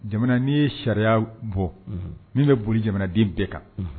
Jamana n'i ye sariya bɔ min bɛ boli jamanaden bɛɛ kan